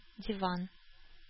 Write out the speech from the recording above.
Диван